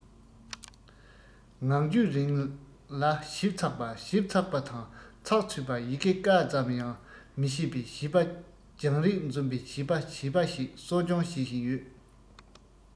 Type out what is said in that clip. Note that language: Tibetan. ངང རྒྱུད རིང ལ ཞིབ ཚགས པ ཞིབ ཚགས པ དང ཚགས ཚུད པ ཡི གེ ཀ ཙམ ཡང མི ཤེས པའི བྱིས པ སྦྱང རིག འཛོམས པའི བྱིས པ བྱིས པ ཞིག གསོ སྐྱོང བྱེད བཞིན ཡོད